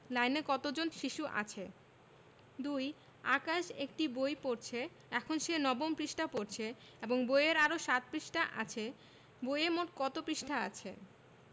লাইনে কত জন শিশু আছে ২ আকাশ একটি বই পড়ছে এখন সে নবম পৃষ্ঠা পড়ছে এবং বইয়ে আরও ৭ পৃষ্ঠা আছে বইয়ে মোট কত পৃষ্ঠা আছে